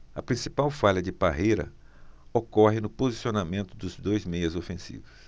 a principal falha de parreira ocorre no posicionamento dos dois meias ofensivos